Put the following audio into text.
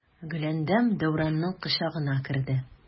Гөләндәм Дәүранның кочагына керде.